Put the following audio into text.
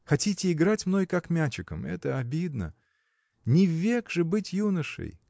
хотите играть мной, как мячиком, – это обидно! Не век же быть юношей.